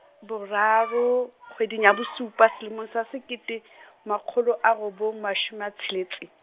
boraro, kgweding ya bosupa selemong sa sekete, makgolo a robong mashome a tsheletse.